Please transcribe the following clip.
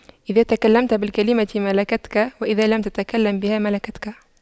إذا تكلمت بالكلمة ملكتك وإذا لم تتكلم بها ملكتها